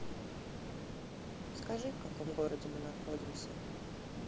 скажи в каком городе мы находимся